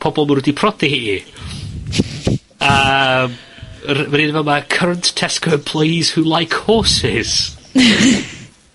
pobol ma' nhw 'di prodi hi i. A yym yr, ma' un yn fa' 'ma current Tesco plays who like horses.